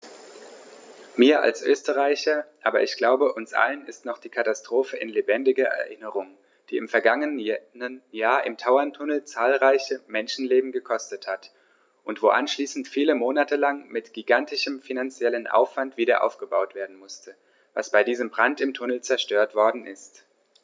Mir als Österreicher, aber ich glaube, uns allen ist noch die Katastrophe in lebendiger Erinnerung, die im vergangenen Jahr im Tauerntunnel zahlreiche Menschenleben gekostet hat und wo anschließend viele Monate lang mit gigantischem finanziellem Aufwand wiederaufgebaut werden musste, was bei diesem Brand im Tunnel zerstört worden ist.